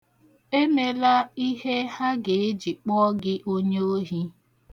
Emela ihe ha ga-eji kpọ gị onye ohi.